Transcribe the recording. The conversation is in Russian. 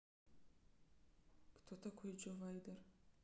кто такой джо вейдер